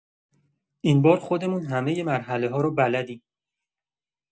این بار خودمون همه مرحله‌ها رو بلدیم.